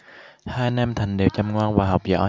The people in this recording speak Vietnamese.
hai anh em thành đều chăm ngoan và học giỏi